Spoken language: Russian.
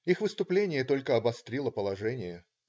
Их выступление только обострило положение.